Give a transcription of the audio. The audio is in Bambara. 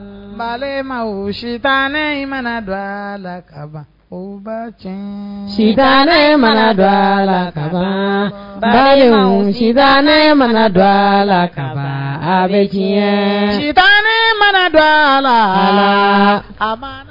Balima sita ne mana dɔ la kaban o ba cɛ sita ne mana dɔ la ka ba sita ne mana dɔ la ka bɛ diɲɛ sita ne mana dɔ la a